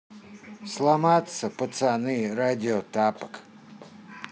сломаться пацаны радио тапок